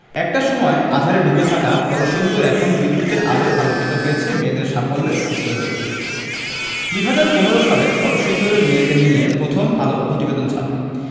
একটা সময়ে আঁধারে ডুবে থাকা কলসিন্দুর এখন বিদ্যুতের আলোয় আলোকিত হয়েছে মেয়েদের সাফল্যের সূত্র ধরেই ২০১৫ সালে কলসিন্দুরের মেয়েদের নিয়ে প্রথম আলো প্রতিবেদন ছাপে